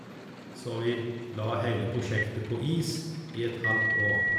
Så vi la heile prosjektet på is i et halvt år.